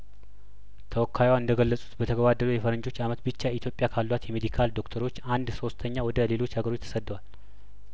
ተወካይዋ እንደገለጹት በተገባደደው የፈረንጆች አመት ብቻ ኢትዮጵያ ካሏት የሜዲካል ዶክተሮች አንድ ሶስተኛ ወደ ሌሎች ሀገሮች ተሰደዋል